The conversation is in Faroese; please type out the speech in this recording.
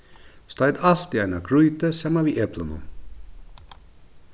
stoyt alt í eina grýtu saman við eplunum